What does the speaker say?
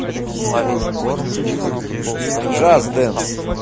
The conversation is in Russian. джаз денс